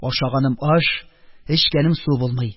Ашаганым - аш, эчкәнем - су булмый.